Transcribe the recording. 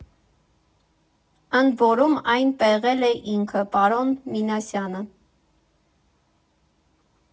Ընդ որում, այն պեղել է ինքը՝ պարոն Մինասյանը։